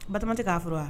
Batɔma tɛ k'a furu wa?